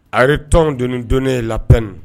Areri tɔn dondonnen lani